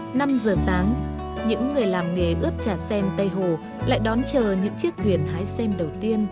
năm giờ sáng những người làm nghề ướp trà sen tây hồ lại đón chờ những chiếc thuyền hái sen đầu tiên